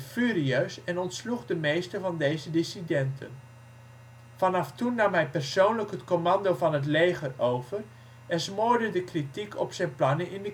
furieus en ontsloeg de meeste van deze ' dissidenten '. Vanaf toen nam hij persoonlijk het commando van het leger over en smoorde de kritiek op zijn plannen